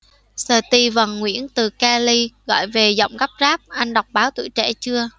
steven nguyễn từ cali gọi về giọng gấp gáp anh đọc báo tuổi trẻ chưa